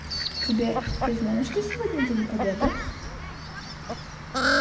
сбер ты знаешь что сегодня день победы